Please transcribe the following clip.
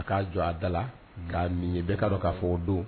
A k'a jɔ a da la k'a min yen bɛɛ ka dɔn k'a fɔ o don